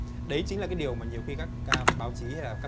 đấy chính là cái điều mà nhiều khi các báo chí hay là các